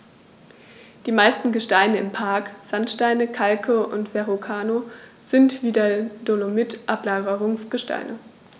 Die meisten Gesteine im Park – Sandsteine, Kalke und Verrucano – sind wie der Dolomit Ablagerungsgesteine.